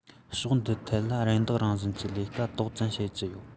ཕྱོགས འདིའི ཐད ལ རམ འདེགས རང བཞིན གྱི ལས ཀ ཏོག ཙམ བྱེད ཀྱི ཡོད